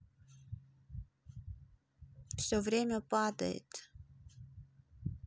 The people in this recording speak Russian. все время падает